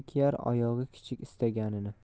kiyar oyog'i kichik istaganini